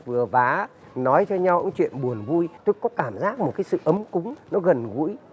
vừa vá nói cho nhau những chuyện buồn vui tôi có cảm giác một cái sự ấm cúng nó gần gũi